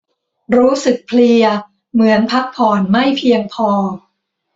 รู้สึกเพลียเหมือนพักผ่อนไม่เพียงพอ